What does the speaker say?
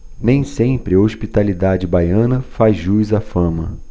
nem sempre a hospitalidade baiana faz jus à fama